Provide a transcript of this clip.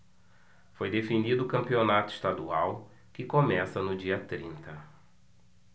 foi definido o campeonato estadual que começa no dia trinta